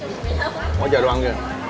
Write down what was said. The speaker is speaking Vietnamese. mày mang đồ